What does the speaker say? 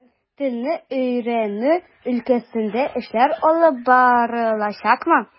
Телне өйрәнү өлкәсендә эшләр алып барылачакмы?